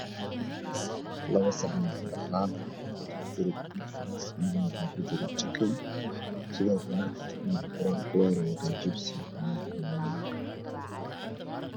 Laba saxan oo cadcadaan ah mid bariis io jikin sidoo kale jikinka waxaa ku jira jibsi